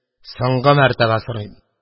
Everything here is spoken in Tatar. Соңгы мәртәбә сорыйм